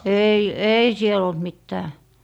ei ei siellä ollut mitään